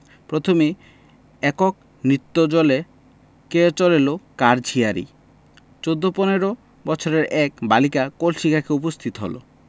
প্রথমেই একক নৃত্যজলে কে চলেলো কার ঝিয়ারি চৌদ্দ পনেরো বছরের এক বালিকা কলসি কাঁখে উপস্থিত হল